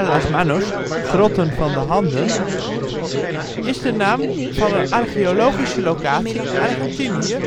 las Manos (Grotten van de Handen) is de naam van een archeologische locatie in Argentinië